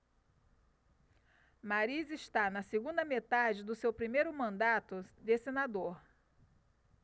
mariz está na segunda metade do seu primeiro mandato de senador